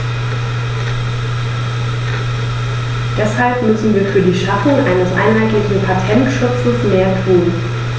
Deshalb müssen wir für die Schaffung eines einheitlichen Patentschutzes mehr tun.